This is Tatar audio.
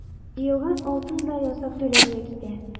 Җыелган алтын да ясак түләүгә китә.